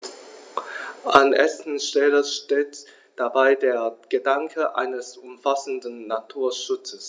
An erster Stelle steht dabei der Gedanke eines umfassenden Naturschutzes.